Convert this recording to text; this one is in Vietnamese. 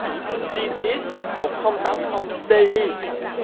di ti ích một không tám không tê i